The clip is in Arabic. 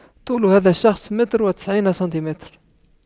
طول هذا الشخص متر وتسعين سنتيمتر